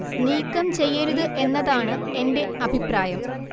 നീക്കം ചെയ്യരുത് എന്നതാണ് എന്റെ അഭിപ്രായം